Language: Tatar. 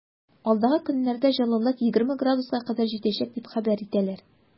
Алдагы көннәрдә җылылык 20 градуска кадәр җитәчәк дип хәбәр итәләр.